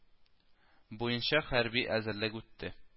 Буенча хәрби әзерлек үтте